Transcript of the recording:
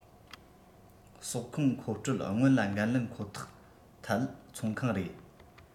ཟོག ཁུངས མཁོ སྤྲོད སྔོན ལ འགན ལེན ཁོ ཐག ཐད ཚོང ཁང རེད